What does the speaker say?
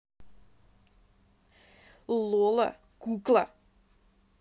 lola кукла